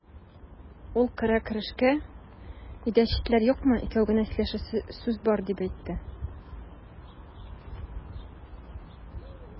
Ул керә-керешкә: "Өйдә читләр юкмы, икәү генә сөйләшәсе сүз бар", дип әйтте.